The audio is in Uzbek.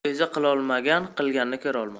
o'zi qilolmagan qilganni ko'rolmas